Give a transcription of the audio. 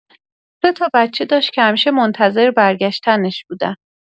سه‌تا بچه داشت که همیشه منتظر برگشتنش بودن.